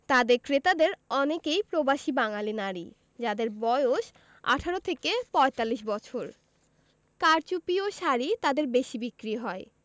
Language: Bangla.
তাঁদের ক্রেতাদের অনেকেই প্রবাসী বাঙালি নারী যাঁদের বয়স ১৮ থেকে ৪৫ বছর কারচুপি ও শাড়ি তাঁদের বেশি বিক্রি হয়